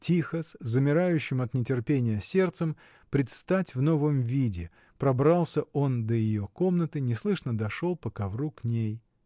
Тихо, с замирающим от нетерпения сердцем предстать в новом виде, пробрался он до ее комнаты, неслышно дошел по ковру к ней.